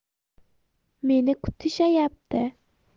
meni kutishayapti